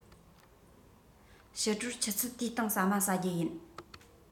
ཕྱི དྲོར ཆུ ཚོད དུའི སྟེང ཟ མ ཟ རྒྱུ ཡིན